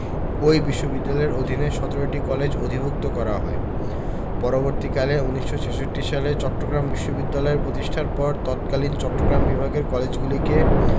ওই বিশ্ববিদ্যালয়ের অধীনে ১৭টি কলেজকে অধিভুক্ত করা হয় পরবর্তীকালে ১৯৬৬ সালে চট্টগ্রাম বিশ্ববিদ্যালয় প্রতিষ্ঠার পর তৎকালীন চট্টগ্রাম বিভাগের কলেজগুলিকে